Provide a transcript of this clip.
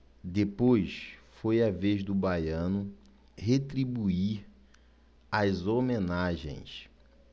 depois foi a vez do baiano retribuir as homenagens